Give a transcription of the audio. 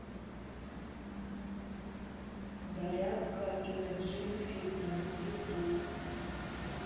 зарядка имэджин фитнес ютуб